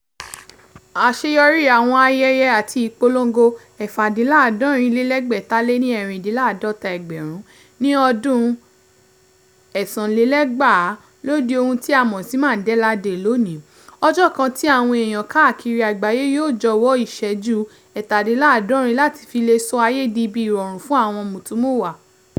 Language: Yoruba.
Àṣeyọrí àwọn ayeye àti ipolongo 46664 ní ọdún 2009 ló di ohun tí a mọ̀ sí “Mandela Day” lónìí, ọjọ́ kan tí àwọn eèyàn káàkirì àgbáyé yóò jọ̀wọ́ ìṣẹ́jú 67 láti fi lè sọ ayé di ibi ìrọ̀rùn fún mùtúmùwà.